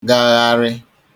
gagharị